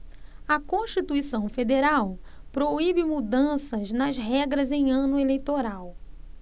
a constituição federal proíbe mudanças nas regras em ano eleitoral